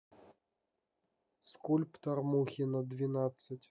скульптор мухина двенадцать